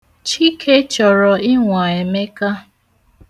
Chike chọrọ ịnwa Emeka.